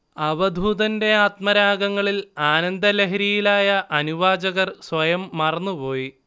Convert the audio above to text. അവധൂതന്റെ ആത്മരാഗങ്ങളിൽ ആനന്ദലഹരിയിലായ അനുവാചകർ സ്വയം മറന്നുപോയി